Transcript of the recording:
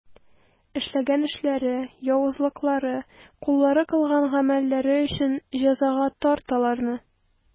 Эшләгән эшләре, явызлыклары, куллары кылган гамәлләре өчен җәзага тарт аларны.